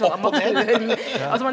opp og ned .